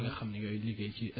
ñi nga xam ne ñooy liggéey ci